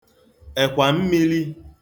ẹ̀kwà mmīlī